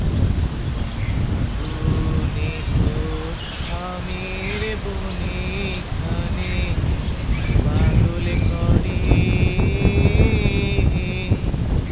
ওমা ফাগুনে তোর আমের বনে ঘ্রাণে পাগল করে